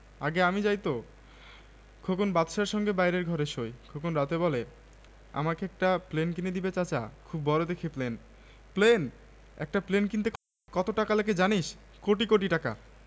তোর এত বুদ্ধি জোয়ান ছেলে দুদিনেই তুই লাখ টাকা জমাতে পারবি তখন আমার কিছু একটা জিনিস এনে দিবি কি বলো দিবি তো কি চাও বলো